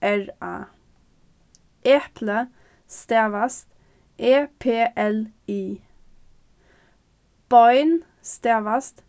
r a epli stavast e p l i bein stavast